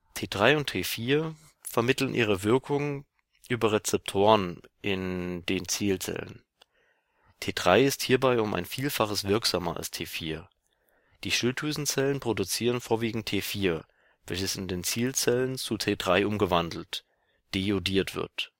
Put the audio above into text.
T3 und T4 vermitteln ihre Wirkungen über Rezeptoren in den Zielzellen. T3 ist hierbei um ein Vielfaches wirksamer als T4. Die Schilddrüsenzellen produzieren vorwiegend T4, welches in den Zielzellen zu T3 umgewandelt (deiodiert) wird